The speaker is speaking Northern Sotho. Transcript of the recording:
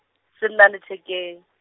se lla lethekeng.